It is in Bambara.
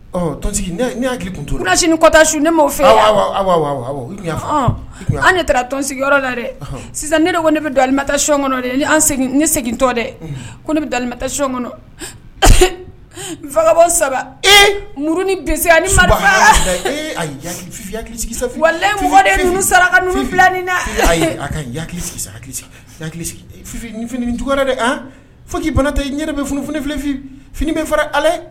Ɔ tɔn hakilitusi ni kɔta su ne m'aw fɛ an ne tɔnsigi yɔrɔ la dɛ sisan ne de kɔni ne bɛ datay kɔnɔ dɛ ne segin tɔn dɛ ko ne bɛ s kɔnɔ fa bɔ saba e muru ni bin ni akiki wa mɔgɔ sara ka fila nin la a kaki de an fo k' bana tɛ ɲɛ bɛ fffi fini bɛ fara ale